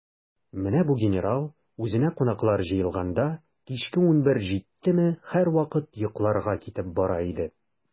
Менә бу генерал, үзенә кунаклар җыелганда, кичке унбер җиттеме, һәрвакыт йокларга китеп бара иде.